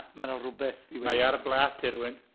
Mae yna rywbeth i weud... Mae ar blât i rywun.